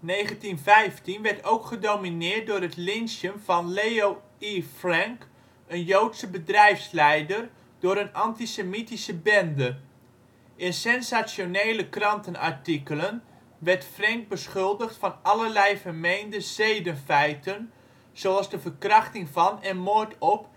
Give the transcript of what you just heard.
1915 werd ook gedomineerd door het lynchen van Leo E. Frank, een joodse bedrijfsleider, door een antisemitische bende. In sensationele krantenartikelen werd Frank beschuldigd van allerlei vermeende zedenfeiten zoals de verkrachting van en moord op